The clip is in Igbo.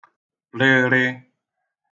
-rịrị